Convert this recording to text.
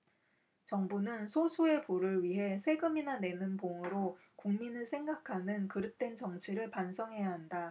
정부는 소수의 부를 위해 세금이나 내는 봉으로 국민을 생각하는 그릇된 정치를 반성해야 한다